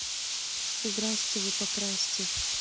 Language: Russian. здрасте вы покрасьте